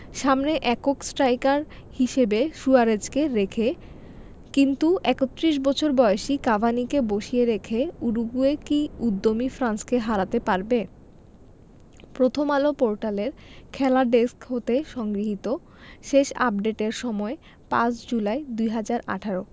সামনে একক স্ট্রাইকার হিসেবে সুয়ারেজকে রেখে কিন্তু ৩১ বছর বয়সী কাভানিকে বসিয়ে রেখে উরুগুয়ে কি উদ্যমী ফ্রান্সকে হারাতে পারবে প্রথমআলো পোর্টালের খেলা ডেস্ক হতে সংগৃহীত শেষ আপডেটের সময় ৫ জুলাই ২০১৮